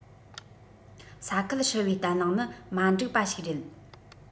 ས ཁུལ ཧྲིལ པོའི བརྟན ལྷིང ནི མ འགྲིག པ ཞིག རེད